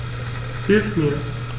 Hilf mir!